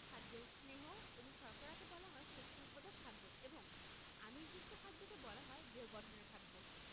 খাদ্যের স্নেহ এবং শর্করাকে বলা হয় শক্তি উৎপাদক খাদ্য এবং আমিষযুক্ত খাদ্যকে বলা হয় দেহ গঠনের খাদ্য